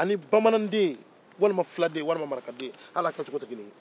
ani bamananden walima fuladen walima marakaden hali aw kɛcogo tɛ kelen ye